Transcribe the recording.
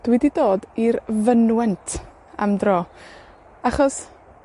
Dwi 'di dod i'r fynwent am dro, achos,